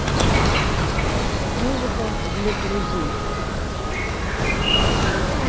музыка для друзей